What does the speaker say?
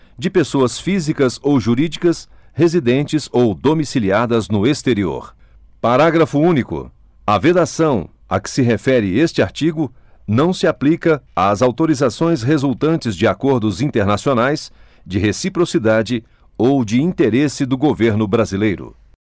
de pessoas físicas ou jurídicas residentes ou domiciliadas no exterior parágrafo único a vedação a que se refere este artigo não se aplica às autorizações resultantes de acordos internacionais de reciprocidade ou de interesse do governo brasileiro